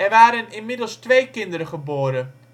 waren inmiddels twee kinderen geboren